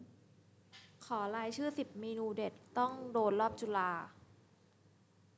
ขอรายชื่อสิบเมนูเด็ดต้องโดนรอบจุฬา